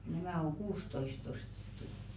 nämä on kuusitoista ostettu